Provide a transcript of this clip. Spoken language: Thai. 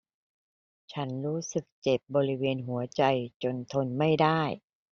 ฉันรู้สึกเจ็บบริเวณหัวใจจนทนไม่ได้